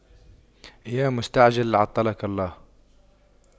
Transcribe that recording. يا مستعجل عطلك الله